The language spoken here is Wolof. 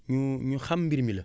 ñu ñu xam mbir mi la